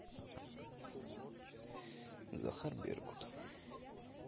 захар беркут